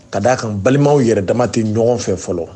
Ka d'a kan balimaw yɛrɛ dama tɛ ɲɔgɔn fɛ fɔlɔ